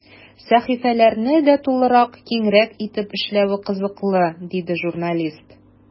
Сәхифәләрне дә тулырак, киңрәк итеп эшләве кызыклы, диде журналист.